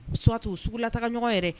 U sutu sugula taga ɲɔgɔn yɛrɛ